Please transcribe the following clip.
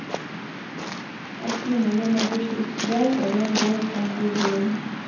афина я могу через тебя управлять голосом гуглом